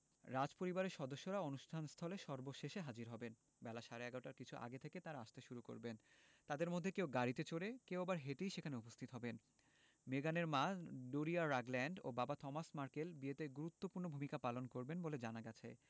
রাজপরিবারের সদস্যরা অনুষ্ঠান স্থলে সবশেষে হাজির হবেন বেলা সাড়ে ১১টার কিছু আগে থেকে তাঁরা আসতে শুরু করবেন তাঁদের মধ্যে কেউ গাড়িতে চড়ে কেউ আবার হেঁটেই সেখানে উপস্থিত হবেন মেগানের মা ডোরিয়া রাগল্যান্ড ও বাবা থমাস মার্কেল বিয়েতে গুরুত্বপূর্ণ ভূমিকা পালন করবেন বলে জানা গেছে